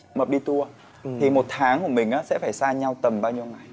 mập đi tua thì một tháng của mình á sẽ phải xa nhau tầm bao nhiêu ngày